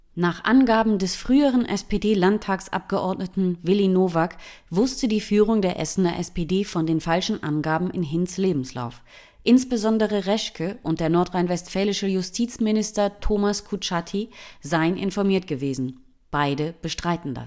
Nach Angaben des früheren SPD-Landtagsabgeordneten Willi Nowack wusste die Führung der Essener SPD von den falschen Angaben in Hinz’ Lebenslauf. Insbesondere Reschke und der nordrhein-westfälische Justizminister Thomas Kutschaty seien informiert gewesen; beide bestreiten